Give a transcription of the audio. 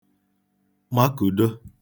makùdo